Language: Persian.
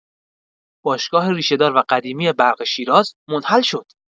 باشگاه ریشه‌دار و قدیمی برق شیراز، منحل شد!